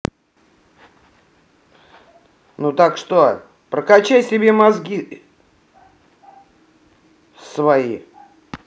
ну так прокачай себе мозги свои